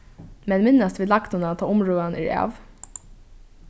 men minnast vit lagnuna tá umrøðan er av